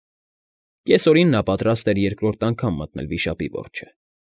Կեսօրին նա պատրաստ էր երկորդ անգամ մտնել վիշապի որջը։